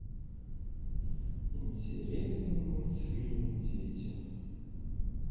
интересные мультфильмы детям